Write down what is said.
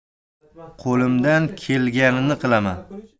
qo'limdan kelganini qilaman